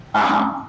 A